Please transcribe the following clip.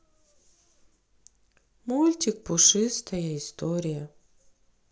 мультик пушистая история